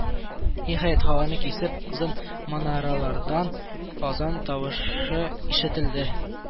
Ниһаять, һаваны кисеп озын манаралардан азан тавышы ишетелде.